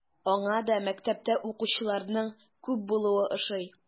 Аңа да мәктәптә укучыларның күп булуы ошый.